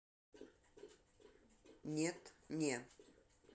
нет не